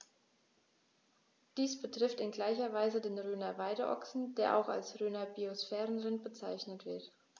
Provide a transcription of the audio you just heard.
Dies betrifft in gleicher Weise den Rhöner Weideochsen, der auch als Rhöner Biosphärenrind bezeichnet wird.